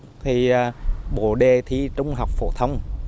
thì ờ bộ đề thi trung học phổ thông